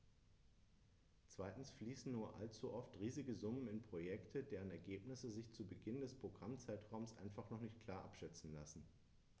Zweitens fließen nur allzu oft riesige Summen in Projekte, deren Ergebnisse sich zu Beginn des Programmzeitraums einfach noch nicht klar abschätzen lassen.